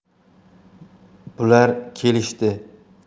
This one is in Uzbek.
bular kelishdi